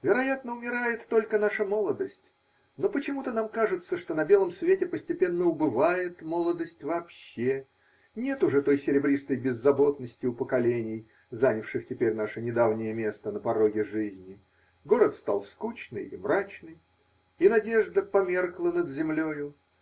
Вероятно, умирает только наша молодость, Но почему-то нам кажется, что на белом свете постепенно убывает молодость вообще, нет уже той серебристой беззаботности у поколений, занявших теперь наше недавнее место на пороге жизни, город стал скучный и мрачный, и надежда померкла над землею.